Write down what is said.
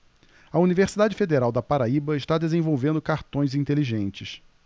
a universidade federal da paraíba está desenvolvendo cartões inteligentes